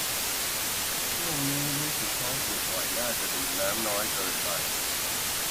ช่วงนี้รู้สึกท้องผูกบ่อยน่าจะดื่มน้ำน้อยเกินไป